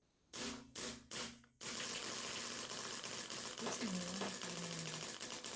песня милана филимонова